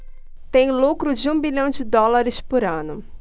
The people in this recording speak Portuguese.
tem lucro de um bilhão de dólares por ano